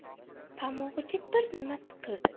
tomog'iga bir nima tiqildi